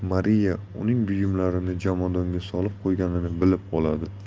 uning buyumlarini jomadonga solib qo'yganini bilib qoladi